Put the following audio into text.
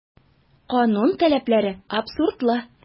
Канун таләпләре абсурдлы.